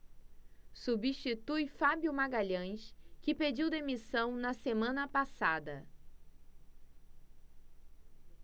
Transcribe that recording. substitui fábio magalhães que pediu demissão na semana passada